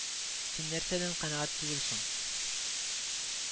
Син нәрсәдән канәгать түгел соң